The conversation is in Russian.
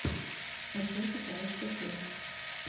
а чем питаешься ты